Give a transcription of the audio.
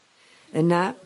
Yna